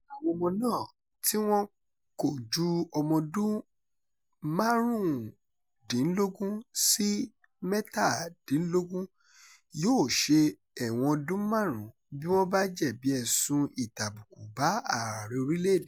Àwọn ọmọ náà tí wọn kò ju ọmọ ọdún 15 sí 17 yóò ṣe ẹ̀wọ̀n ọdún márùn-ún bí wọ́n bá jẹ̀bi ẹ̀sùn ìtàbùkù bá Ààrẹ orílẹ̀-èdè.